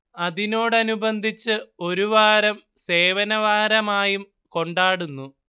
അതിനോടനിബന്ധിച്ച് ഒരു വാരം സേവനവാരമായും കൊണ്ടാടുന്നു